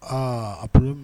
Aa a p